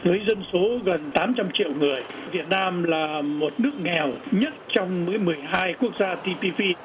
với dân số gần tám trăm triệu người việt nam là một nước nghèo nhất trong mười hai quốc gia ti pi pi